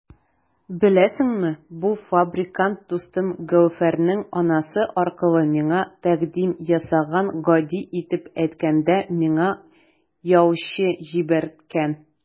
Беләсеңме, бу фабрикант дустым Гәүһәрнең анасы аркылы миңа тәкъдим ясаган, гади итеп әйткәндә, миңа яучы җибәрткән!